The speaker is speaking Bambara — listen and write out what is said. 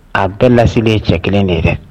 A bɛɛ laseli ye cɛ 1 de dɛ.